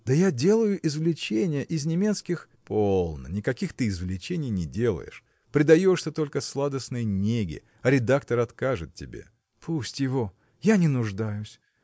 – Да я делаю извлечения из немецких. – Полно никаких ты извлечений не делаешь предаешься только сладостной неге а редактор откажет тебе. – Пусть его! я не нуждаюсь.